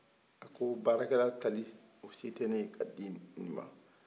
a baarakɛla tali o se tɛ ne ye ka di nin ma